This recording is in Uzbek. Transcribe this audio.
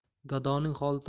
gadoning holi tang